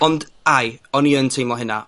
Ond aye, o'n i yn teimlo hynna.